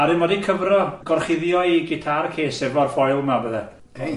Ar un ma di cyfro, gorchuddio'i gitâr ces efo'r ffoil ma a pethau.